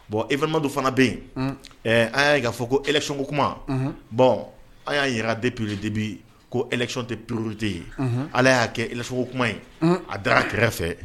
Bon imadu fana bɛ yen a y'a'a fɔ ko esonku kuma bɔn a y'a yɛrɛ de purorodibi ko esonɔn tɛ purorote ye ala y'a kɛ esko kuma ye a da a kɛrɛfɛ fɛ